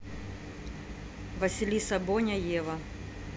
василиса боня ева